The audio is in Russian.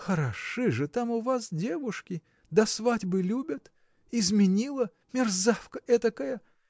– Хороши же там у вас девушки: до свадьбы любят! Изменила! мерзавка этакая!